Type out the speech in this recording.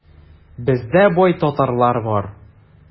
Бездә бай татарлар бар.